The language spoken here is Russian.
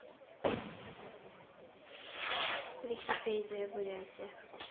википедия бурятия